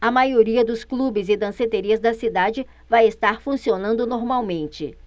a maioria dos clubes e danceterias da cidade vai estar funcionando normalmente